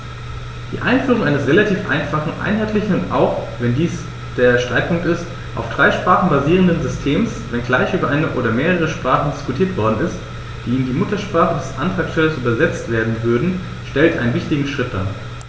Die Einführung eines relativ einfachen, einheitlichen und - auch wenn dies der Streitpunkt ist - auf drei Sprachen basierenden Systems, wenngleich über eine oder mehrere Sprachen diskutiert worden ist, die in die Muttersprache des Antragstellers übersetzt werden würden, stellt einen wichtigen Schritt dar.